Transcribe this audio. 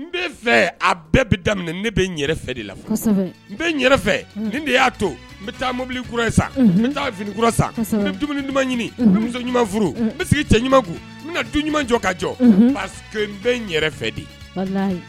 N bɛ fɛ a bɛɛ bɛ daminɛ ne bɛ yɛrɛ fɛ de la n bɛ n fɛ nin de y'a to n bɛ taa mobili kura ye sa n taa finikura sa dumuni duman ɲini ɲuman furu bɛ cɛ ɲuman n bɛna du ɲuman jɔ ka jɔ paseke n bɛ n yɛrɛ fɛ de ye